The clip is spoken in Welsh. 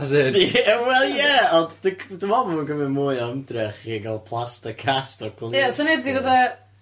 As in... Ie wel ie ond dyg- dwi'n me'wl bod o'n cymryd mwy o ymdrech i gal plaster cast o clust... Ie syniad fi fatha